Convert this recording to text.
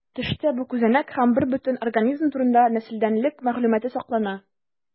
Төштә бу күзәнәк һәм бербөтен организм турында нәселдәнлек мәгълүматы саклана.